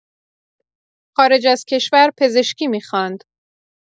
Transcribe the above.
خارج از کشور پزشکی می‌خواند